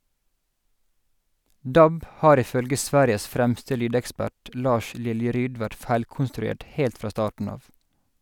DAB har ifølge Sveriges fremste lydekspert Lars Liljeryd vært feilkonstruert helt fra starten av.